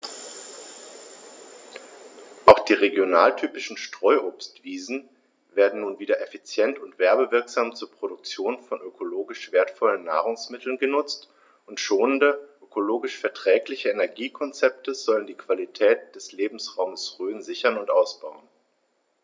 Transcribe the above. Auch die regionaltypischen Streuobstwiesen werden nun wieder effizient und werbewirksam zur Produktion von ökologisch wertvollen Nahrungsmitteln genutzt, und schonende, ökologisch verträgliche Energiekonzepte sollen die Qualität des Lebensraumes Rhön sichern und ausbauen.